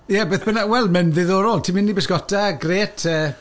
Ie, beth bynnag. Wel, mae'n ddiddorol. Ti'n mynd i bysgota, grêt yy.